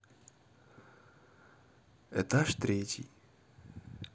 этаж третий